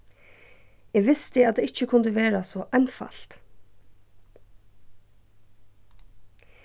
eg visti at tað ikki kundi vera so einfalt